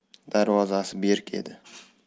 darvozasi berk edi